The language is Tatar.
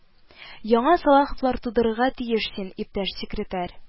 Яңа Салаховлар тудырырга тиеш син, иптәш секретарь